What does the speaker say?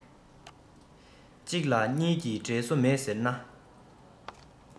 གཅིག ལ གཉིས ཀྱི འབྲེལ སོ མེད ཟེར ན